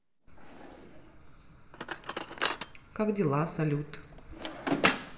как дела салют